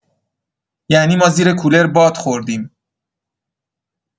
یعنی ما زیر کولر باد خوردیم.